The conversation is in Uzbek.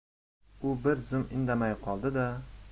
u bir zum indamay qoldi